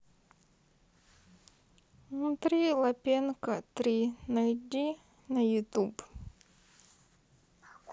внутри лапенко три найди на ютуб